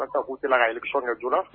u k'u teliya ka élection kɛ joona